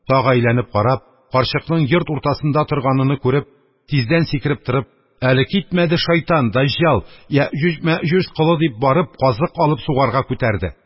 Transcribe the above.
Тагы әйләнеп карап, карчыкның йорт уртасында торганыны күреп, тиздән сикереп торып: – Әле китмәде, шәйтан! Дәҗҗал! Яэҗүҗ-мәэҗүҗ колы! – дип барып, казык алып сугарга күтәрде.